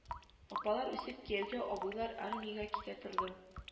Апалар үсеп кияүгә абыйлар армиягә китә торды